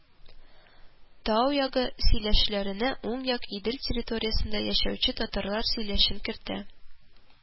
Тау ягы сөйләшләренә уң як Идел территориясендә яшәүче татарлар сөйләшен кертә